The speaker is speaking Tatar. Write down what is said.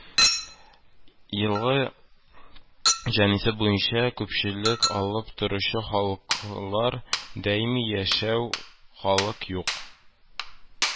Елгы җанисәп буенча күпчелек алып торучы халыклар: даими яшәүче халык юк